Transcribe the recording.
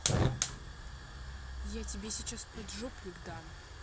я тебе сейчас поджопник дам